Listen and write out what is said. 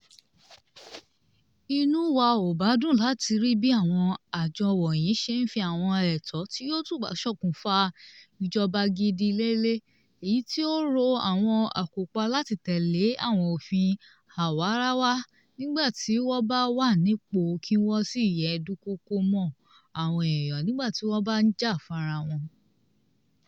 Inú wa ò bá dùn láti rí bí àwọn àjọ́ wọnyìí ṣe ń fi àwọn ètò tí yòó túbọ̀ ṣokùnfà ìjọba gidi lélẹ̀, èyí tí ó rọ àwọn akọpa láti tẹ̀lé àwọn ofin awarawa nígbà tí wọ́n bá wà nípò kí wọ́n sì yée dúnkokò mọ́ àwọn eèyàn nígbà tí wọ́n bá ń jà fúnra wọn.